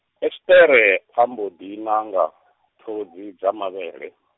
Esiṱere, a mbo ḓi na nga , ṱhodzi dza mavhele.